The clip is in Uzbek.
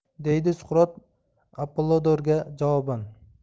deydi suqrot apollodorga javoban